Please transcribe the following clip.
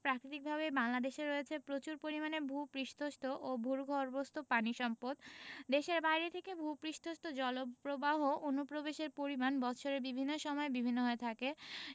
প্রাকৃতিকভাবে বাংলাদেশের রয়েছে প্রচুর পরিমাণে ভূ পৃষ্ঠস্থ ও ভূগর্ভস্থ পানি সম্পদ দেশের বাইরে থেকে ভূ পৃষ্ঠস্থ জলপ্রবাহ অনুপ্রবেশের পরিমাণ বৎসরের বিভিন্ন সময়ে বিভিন্ন হয়ে থাকে